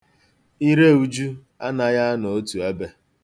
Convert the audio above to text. Ire Uju anaghị anọ otu ebe.